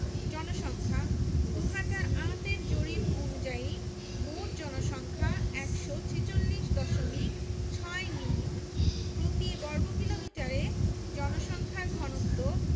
জনসংখ্যাঃ ২০০৮ এর জরিপ অনুযায়ী মোট জনসংখ্যা ১৪৬দশমিক ৬ মিলিয়ন প্রতি বর্গ কিলোমিটারে জনসংখ্যার ঘনত্ব